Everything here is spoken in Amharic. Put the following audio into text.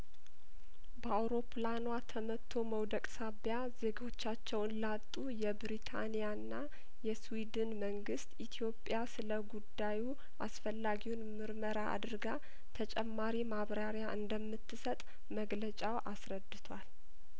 በአውሮፕላኗ ተመትቶ መውደቅ ሳቢያ ዜጐቻቸውን ላጡ የብሪታኒያና የስዊድን መንግስት ኢትዮጵያ ስለጉዳዩ አስፈላጊውን ምርመራ አድርጋ ተጨማሪ ማብራሪያ እንደምትሰጥ መግለጫው አስረድቷል